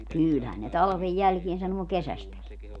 kyllähän ne talven jälkeen sanoo kesästäkin